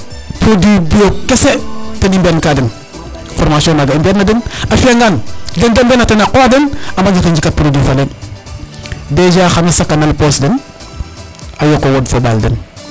produit BiO kese ten i mbiya naan ka den formation naga i mbiyan ka den a fiya ngan den de mbiya nata den a qoox den a bañato njikat produit fa leŋ déja xana sakanala den poche den a yoq o wod wo o ɓal den